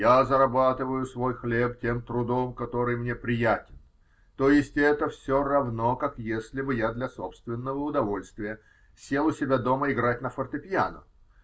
Я зарабатываю свой хлеб тем трудом, который мне приятен, то есть это все равно, как если бы я для собственного удовольствия сел у себя дома играть на фортепиано.